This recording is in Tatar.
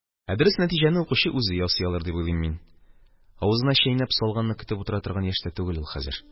Ә дөрес нәтиҗәне укучы үзе ясый алыр дип уйлыйм мин – авызына чәйнәп салганны көтеп утыра торган яшьтә түгел ул хәзер